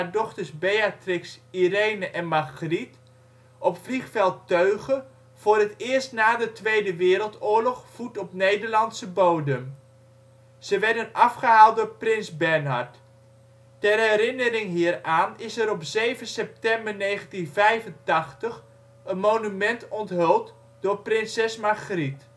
dochters Beatrix, Irene en Margriet op vliegveld Teuge voor het eerst na de Tweede Wereldoorlog voet op Nederlandse bodem. Ze werden afgehaald door prins Bernhard. Ter herinnering hieraan is er op 7 september 1985 een monument onthuld door prinses Margriet